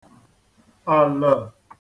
àlə̣̀